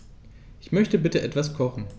Ich möchte bitte etwas kochen.